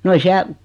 no ei siellä